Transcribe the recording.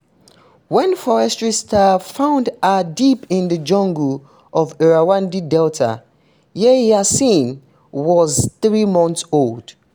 When forestry staff found her deep in the jungle of the Irrawaddy Delta, Ayeyar Sein was three months old.